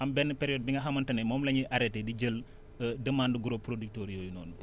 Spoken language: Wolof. am benn période bi nga xamante ne moom la ñuy arrêté di jël demande gros p^roducteurs yooyu noonu